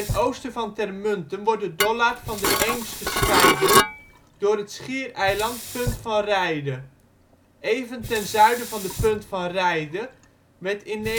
oosten van Termunten wordt de Dollard van de Eems gescheiden door het schiereiland Punt van Reide. Even ten zuiden van de Punt van Reide werd in 1979